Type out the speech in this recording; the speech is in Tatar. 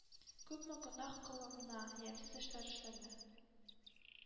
Күпме гөнаһ кылына, ямьсез эшләр эшләнә,